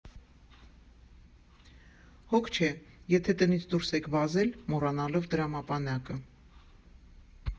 Հոգ չէ, եթե տնից դուրս եք վազել՝ մոռանալով դրամապանակը.